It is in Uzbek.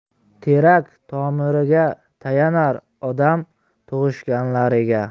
terak tomiriga tayanar odam tug'ishganlariga